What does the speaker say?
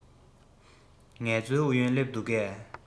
ངལ རྩོལ ཨུ ཡོན སླེབས འདུག གས